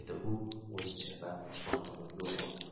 dedi o'zicha u va oshxona tomon yo'l oldi